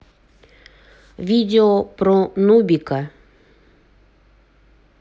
видео про нубика